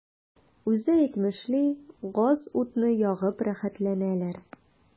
Үзе әйтмешли, газ-утны ягып “рәхәтләнәләр”.